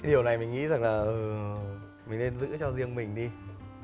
cái điều này mình nghĩ rằng là ờ mình nên giữ cho riêng mình đi